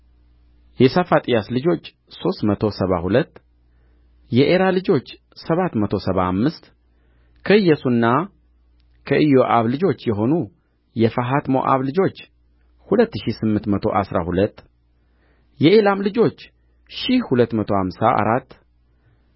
የሰፋጥያስ ልጆች ሦስት መቶ ሰባ ሁለት የኤራ ልጆች ሰባት መቶ ሰባ አምስት ከኢያሱና ከኢዮአብ ልጆች የሆኑ የፈሐት ሞዓብ ልጆች ሁለት ሺህ ስምንት መቶ አሥራ ሁለት የኤላም ልጆች ሺህ ሁለት መቶ አምሳ አራት